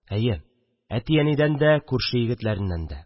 Әйе, әти-әнидән дә, күрше егетләреннән дә